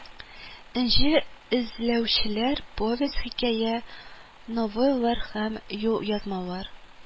Энҗе эзләүчеләр: повесть, хикәя, новеллалар һәм юлъязмалар